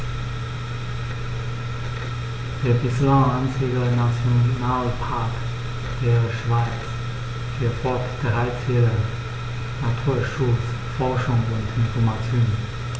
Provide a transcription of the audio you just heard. Der bislang einzige Nationalpark der Schweiz verfolgt drei Ziele: Naturschutz, Forschung und Information.